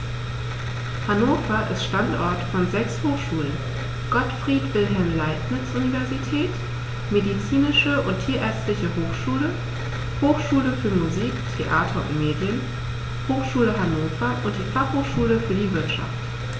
Hannover ist Standort von sechs Hochschulen: Gottfried Wilhelm Leibniz Universität, Medizinische und Tierärztliche Hochschule, Hochschule für Musik, Theater und Medien, Hochschule Hannover und die Fachhochschule für die Wirtschaft.